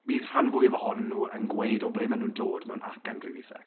bydd rhan fwyaf ohonyn nhw yn gweud o ble ma' nhw'n dod mewn acen really thick.